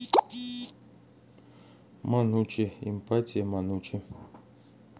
манучи эмпатия манучи